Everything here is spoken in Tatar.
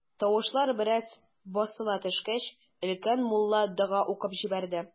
Тавышлар бераз басыла төшкәч, өлкән мулла дога укып җибәрде.